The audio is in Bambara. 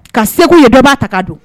Ka segu ye bɛɛ b'a ta ka don